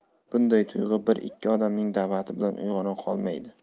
bunday tuyg'u bir ikki odamning da'vati bilan uyg'ona qolmaydi